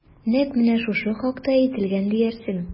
Нәкъ менә шушы хакта әйтелгән диярсең...